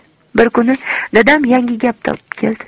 bir kuni dadam yangi gap topib keldi